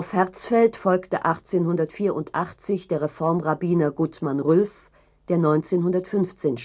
Herzfeld folgte 1884 der Reformrabbiner Gutmann Rülf, der 1915